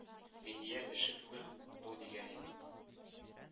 Миндияр эше түгел бу, дигән идек,